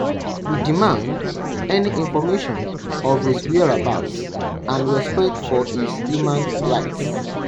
We demand any information of his whereabouts and respect for his human rights.